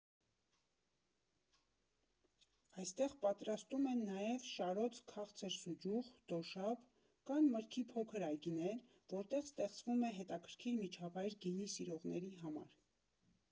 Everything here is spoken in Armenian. Այստեղ պատրաստում են նաև շարոց՝ քաղցր սուջուխ, դոշաբ, կան մրգի փոքր այգիներ, որտեղ ստեղծվում է հետաքրքիր միջավայր գինի սիրողների համար։